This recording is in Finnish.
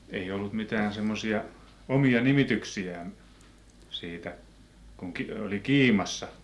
ei ollut mitään semmoisia omia nimityksiään siitä kun - oli kiimassa